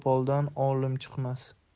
qo'poldan olim chiqmas